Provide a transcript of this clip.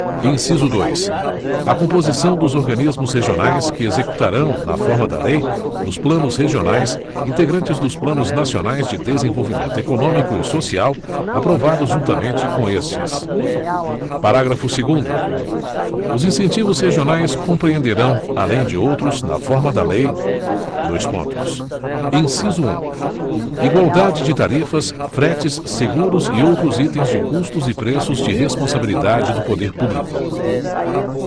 inciso dois a composição dos organismos regionais que executarão na forma da lei os planos regionais integrantes dos planos nacionais de desenvolvimento econômico e social aprovados juntamente com estes parágrafo segundo os incentivos regionais compreenderão além de outros na forma da lei dois pontos inciso um igualdade de tarifas fretes seguros e outros itens de custos e preços de responsabilidade do poder público